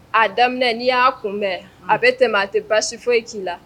A daminɛ n'i y'a kunbɛn a bɛ tɛmɛ a tɛ baasi foyi k'i la